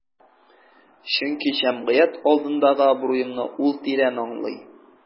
Чөнки җәмгыять алдындагы абруемны ул тирән аңлый.